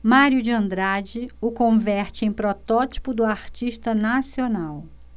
mário de andrade o converte em protótipo do artista nacional